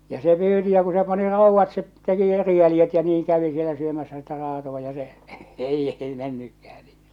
ja se pyysi ja kun se pani raudat se teki eri jäljet ja niin kävi siellä syömässä sitä raatoa ja se ei ei mennytkään niin